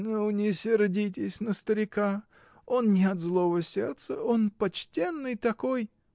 — Ну, не сердитесь на старика: он не от злого сердца; он почтенный такой.